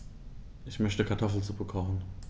Ich möchte Kartoffelsuppe kochen.